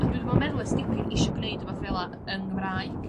a dwi 'di bo' yn meddwl ers dipyn isio gwneud fela fel'a yn Gymraeg.